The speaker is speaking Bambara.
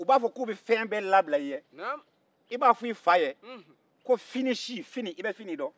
u b'a fɔ k'u bɛ fɛn bɛɛ labila i ye i b'a f'i fa ye ko finisi e bɛ fini dɔn